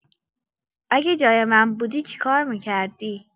اگه جای من بودی چیکار می‌کردی؟